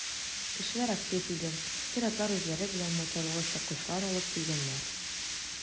Кешеләр актив иде, ир-атлар үзләре белән моторлы чапкычлар алыпн килгәннәр.